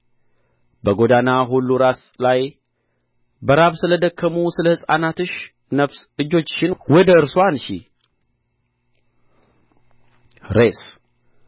በጐዳና ሁሉ ራስ ላይ በራብ ስለ ደከሙ ስለ ሕፃናትሽ ነፍስ እጆችሽን ወደ እርሱ አንሺ ሬስ